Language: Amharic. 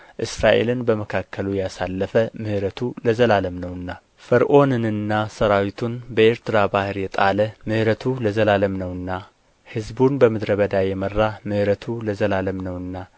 እስራኤልን በመካከሉ ያሳለፈ ምሕረቱ ለዘላለም ነውና ፈርዖንንና ሠራዊቱን በኤርትራ ባሕር የጣለ ምሕረቱ ለዘላለም ነውና ሕዝቡን በምድረ በዳ የመራ ምሕረቱ ለዘላለም ነውና